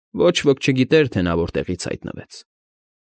Ոչ ոք չգիտեր, թե նա որտեղից հայտնվեց։